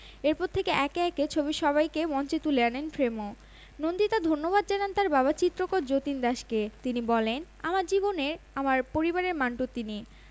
আচ্ছা ভাই সাহেব বাজে ভাবে নেবেন না একটা ছবি দেখতে গেলাম অ্যাভেঞ্জার্স কিছু বুঝতেই পারলাম না ছবিতে কী হচ্ছে টুইটটি পোস্ট হওয়ার কিছুক্ষণের মধ্যেই হাজার হাজার ভক্ত বিগ বির টুইটকে রিটুইট করে নিজেদের প্রতিক্রিয়া জানিয়েছেন